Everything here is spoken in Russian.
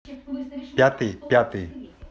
пятый пятый